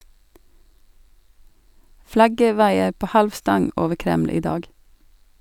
Flagget vaier på halv stang over Kreml i dag.